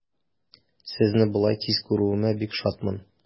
Сезне болай тиз күрүемә бик шатмын.